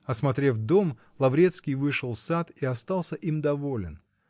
Осмотрев дом, Лаврецкий вышел в сад и остался им доволен.